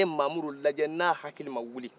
a ye mamudu lajɛ n'a hakili ma wiili